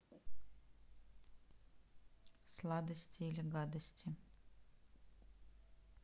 сладости или гадости